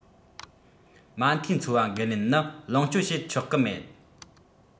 མ མཐའི འཚོ བ འགན ལེན ནི ལོངས སྤྱོད བྱེད ཆོག གི མེད